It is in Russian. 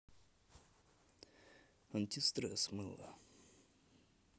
антистресс мыло